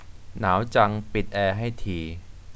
หนาวจังปิดแอร์ให้ที